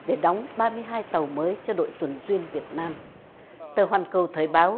để đóng ba mươi hai tàu mới cho đội tuần duyên việt nam tờ hoàn cầu thời báo